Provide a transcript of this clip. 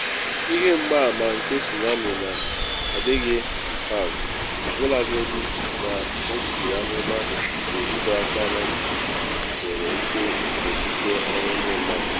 N’oge kachasị mma, ịga njem n’etiti imirikiti agwaetiti nke Indonesia bụ ihe mgba.